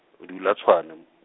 o dula Tshwane.